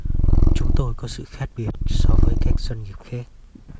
chúng tôi có sự khác biệt so với các doanh nghiệp khác